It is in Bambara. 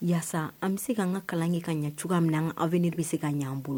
Yaa an bɛ se' an ka kalan kɛ ka ɲɛ cogoya min na an aw fɛ ne bɛ se ka ɲɛ an bolo